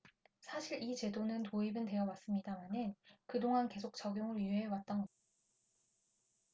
사실 이 제도는 도입은 되어 왔습니다마는 그동안 계속 적용을 유예해 왔던 겁니다